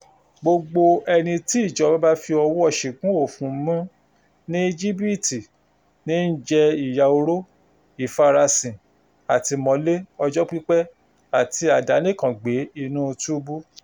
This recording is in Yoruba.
Gbogbo ẹni tí ìjọba bá fi ọwọ́ọ ṣìgún òfin mú ní Íjípìtì ní í jẹ ìyà oró, ìfarasin, àtìmọ́lé ọjọ́ pípẹ́ àti àdánìkangbé inúu túbú.